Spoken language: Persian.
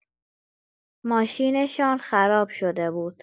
ماشین‌شان خراب شده بود.